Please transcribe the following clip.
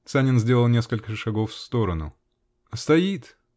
Санин сделал несколько шагов в сторону. -- Стоит.